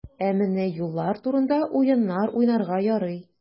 Ә менә юллар турында уеннар уйнарга ярый.